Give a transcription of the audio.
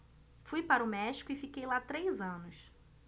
fui para o méxico e fiquei lá três anos